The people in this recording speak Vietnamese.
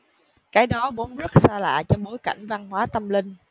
cái đó vốn rất xa lạ trong bối cảnh văn hóa tâm linh